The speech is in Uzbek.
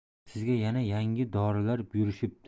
sizga yana yangi dorilar buyurishibdi